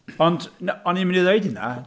Ond, no- o'n i'n mynd i ddweud hynna.